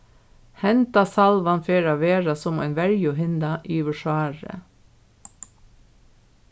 henda salvan fer at vera sum ein verjuhinna yvir sárið